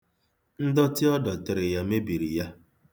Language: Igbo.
Ndọtị ọ dọtịrị ya mebiri ya.